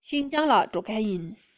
ཤིན ཅང ལ འགྲོ མཁན ཡིན